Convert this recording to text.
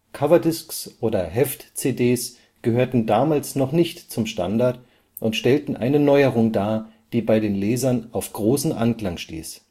Cover Disks oder Heft-CDs gehörten damals noch nicht zum Standard und stellten eine Neuerung dar, die bei den Lesern auf großen Anklang stieß